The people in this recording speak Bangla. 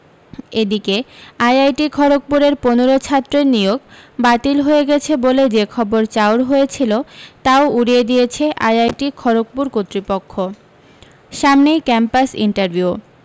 এদিকে আইআইটি খড়গপুরের পনের ছাত্রের নিয়োগ বাতিল হয়েগেছে বলে যে খবর চাউর হয়েছিলো তাও উড়িয়ে দিয়েছে আইআইটি খড়গপুর কর্তৃপক্ষ সামনেই ক্যাম্পাস ইন্টারভিউ